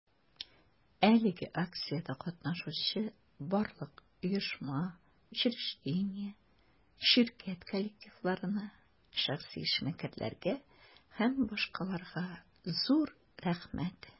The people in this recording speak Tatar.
Әлеге акциядә катнашучы барлык оешма, учреждение, ширкәт коллективларына, шәхси эшмәкәрләргә һ.б. зур рәхмәт!